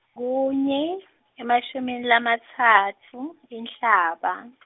kunye, emashumi lamatsatfu Inhlaba .